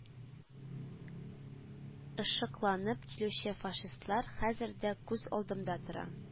Ышыкланып килүче фашистлар хәзер дә күз алдымда тора